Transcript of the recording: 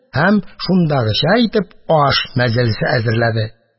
Һәм шундагыча итеп аш мәҗлесе әзерләде.